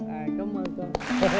rồi cám ơn con